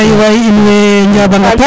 Faye waay in way njaɓang a paax